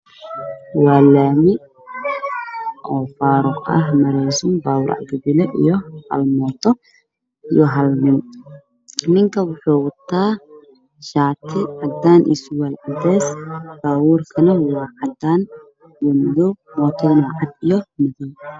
Waa laami oo faaruq ah waxaa maraayo gaari cabdibile ah iyo hal mooto, ninku waxuu wataa shaati cadaan iyo surwaal cadeys, baabuur kana waa cadaan iyo madow, miitaduna waa cad iyo madow.